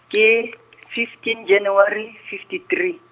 ke , fifteen January, fifty three.